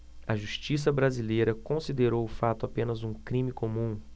a justiça brasileira considerou o fato apenas um crime comum